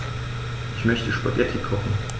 Ich möchte Spaghetti kochen.